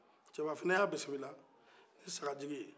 cɛba fana ye a bisimila ni sagajigi ye